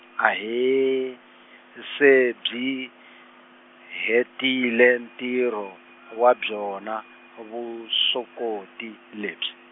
ahee, se byi, hetile ntirho wa byona, o vusokoti, lebyi.